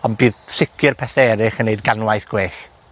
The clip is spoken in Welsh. ond bydd sicir pethe erych yn neud ganwaith gwech.